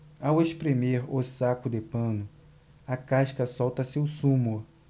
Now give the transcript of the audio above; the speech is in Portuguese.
ao espremer o saco de pano a casca solta seu sumo